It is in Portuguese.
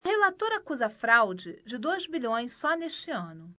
relator acusa fraude de dois bilhões só neste ano